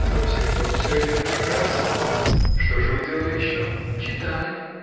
— До сих пор всё идет прекрасно. Что же вы делали еще? — Читали.